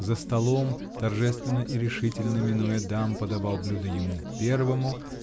за столом, торжественно и решительно, минуя дам, подавал блюда ему первому